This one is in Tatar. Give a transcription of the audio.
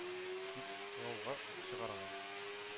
Дип гауга чыгаралар.